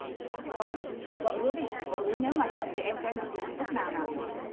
rồi vợ hứa đi vợ hứa nếu mà giận thì em sẽ dùng hình thức nào nào